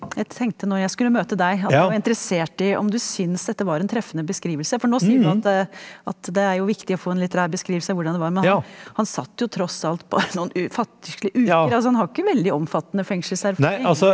jeg tenkte når jeg skulle møte deg at jeg var interessert i om du syns dette var en treffende beskrivelse for nå sier du at at det er jo viktig å få en litterær beskrivelse av hvordan det var, men han han satt jo tross alt bare noen fattigslige uker altså han har ikke veldig omfattende fengselserfaring.